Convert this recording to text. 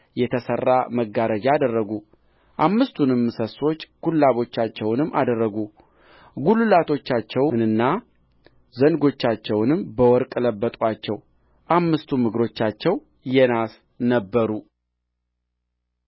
የተሠራ መጋረጃ አደረጉ አምስቱንም ምሰሶች ኩላቦቻቸውንም አደረጉ ጕልላቶቻቸውንና ዘንጎቻቸውንም በወርቅ ለበጡአቸው አምስቱም እግሮቻቸው የናስ ነበሩ